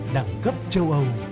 đẳng cấp châu âu